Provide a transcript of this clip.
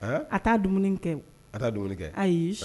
A taa dumuni kɛ a dumuni kɛ ayi